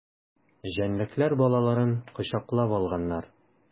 Җәнлекләр балаларын кочаклап алганнар.